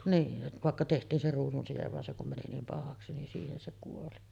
niin vaikka tehtiin se ruusunside vaan se kun meni niin pahaksi niin siihen se kuoli